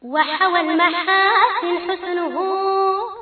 Wamini